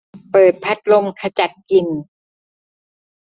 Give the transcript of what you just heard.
เปิดพัดลมขจัดกลิ่น